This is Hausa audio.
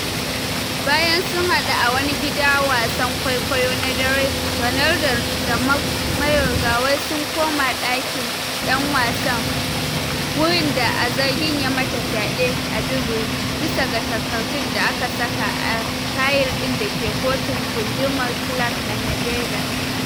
Bayan sun hadu a wani gidan wasan kwaikwayo na dare, Ronaldo da Mayorga wai sun koma dakin dan wasan, wurin da a zargin ya mata fyaɗe a duburi, bisa ga takardun da aka saka a fayil ɗin dake Kotun Gundumar Clark a Nevada.